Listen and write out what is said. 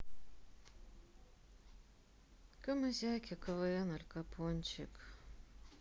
камызяки квн алькапончик